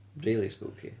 rili spooky.